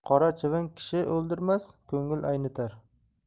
qora chivin kishi o'ldirmas ko'ngil aynitar